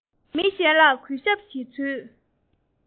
མི གཞན ལ གུས ཞབས བྱེད ཚུལ